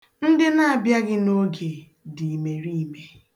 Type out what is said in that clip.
Ndị na-abịaghị n'oge dị imeriime.